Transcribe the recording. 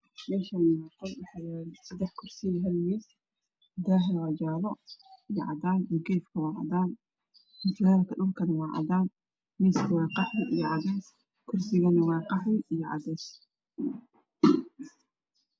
Meeshaani waxaa dhaxyaalo sadex kursi iyo hal miis daaha waa jaalo iyo cadaan mukeefka waa cadaan mutuleelka dhulkana waa cadaan miiska waa qaxwi iyo cadays kursiga waa qaxwi iyo cadays